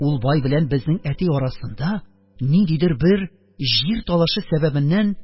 Ул бай белән безнең әти арасында, ниндидер бер җир талашы сәбәбеннән